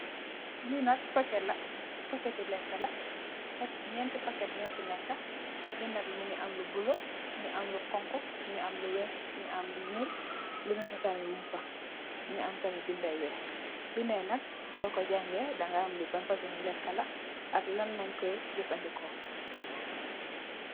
Li nak paket la paketti lekka, ñénti paket ño fi nekka, benna bi mugii am lu bula, mugii am lu xonxu, mugii ngi am wèèx, mugii am lu ñuul, lu netteh tamid mung fa, mugii am tamit bindé yu wèèx. Bindé yi nak so ko jangèè di ga xam li ban fasungi lekka la ak lañ koy jafandiko.